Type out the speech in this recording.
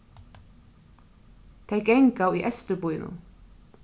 tey ganga í eysturbýnum